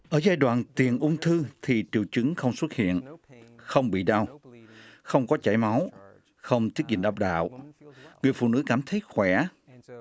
ở giai đoạn tiền ung thư thì triệu chứng không xuất hiện không bị đau không có chảy máu không tiết dịch âm đạo người phụ nữ cảm thấy khỏe